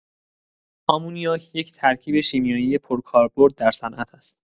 آمونیاک یک ترکیب شیمیایی پرکاربرد در صنعت است.